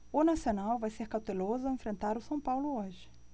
o nacional vai ser cauteloso ao enfrentar o são paulo hoje